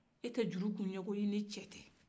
e tɛ juru kun yogo i n'i cɛ cɛ